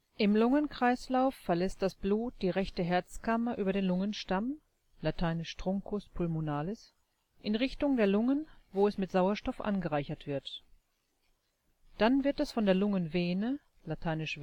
Im Lungenkreislauf verlässt das Blut die rechte Herzkammer über den Lungenstamm (lat. Truncus pulmonalis) in Richtung der Lungen, wo es mit Sauerstoff angereichert wird. Dann wird es von der Lungenvene (lat.